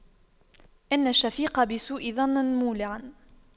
إن الشفيق بسوء ظن مولع